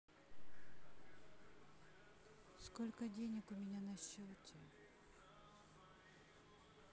сколько денег у меня на счете